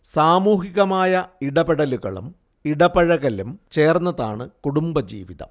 സാമൂഹികമായ ഇടപെടലുകളും ഇടപഴകലും ചേർന്നതാണ് കുടുംബജീവിതം